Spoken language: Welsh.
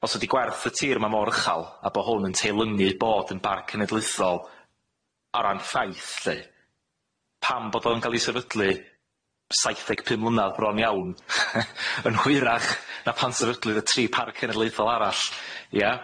Os ydi gwerth y tir ma' mor uchal a bo' hwn yn teilyngu bod yn barc cenedlaethol ar ran ffaith lly pam bod o'n ga'l i sefydlu saitheg pum mlynadd bron iawn yn hwyrach na pan sefydlu'r y tri parc cenedlaethol arall ia?